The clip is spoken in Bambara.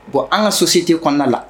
Bɔn an ka sosite kɔnɔna la